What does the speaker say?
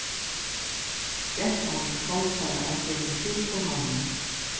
gentan tók sær av síni sjúku mammu